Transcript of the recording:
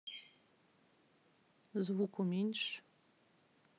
звук уменьши